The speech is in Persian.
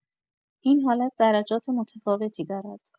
این حالت درجات متفاوتی دارد.